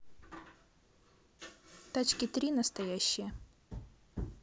тачки три настоящие